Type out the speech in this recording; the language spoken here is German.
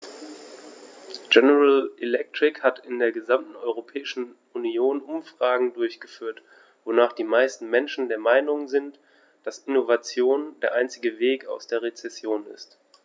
General Electric hat in der gesamten Europäischen Union Umfragen durchgeführt, wonach die meisten Menschen der Meinung sind, dass Innovation der einzige Weg aus einer Rezession ist.